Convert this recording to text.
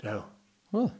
O... o.